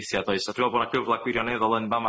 w'ithia does a dwi me'wl bo 'na gyfla gwirioneddol yn fa'